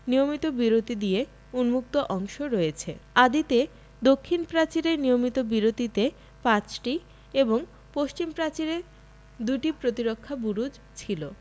নিয়মিত বিরতি দিয়ে উন্মুক্ত অংশ রয়েছে আদিতে দক্ষিণ প্রাচীরে নিয়মিত বিরতিতে পাঁচটি এবং পশ্চিম প্রাচীরে দুটি প্রতিরক্ষা বুরুজ ছিল